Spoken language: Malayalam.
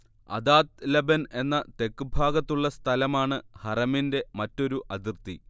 അദാത്ത് ലബൻ എന്ന തെക്ക് ഭാഗത്തുള്ള സ്ഥലമാണ് ഹറമിന്റെ മറ്റൊരു അതിർത്തി